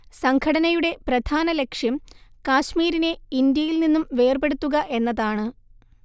സംഘടനയുടെ പ്രധാനലക്ഷ്യം കാശ്മീരിനെ ഇന്ത്യയിൽ നിന്നും വേർപെടുത്തുക എന്നതാണ്